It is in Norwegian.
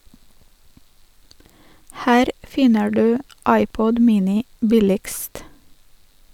Her finner du iPod Mini billigst.